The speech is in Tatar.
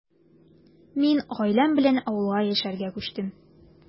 Мин гаиләм белән авылга яшәргә күчтем.